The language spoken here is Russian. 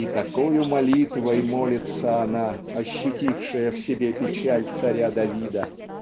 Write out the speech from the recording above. И такою молитвой молится она, ощутившая в себе печаль царя Давида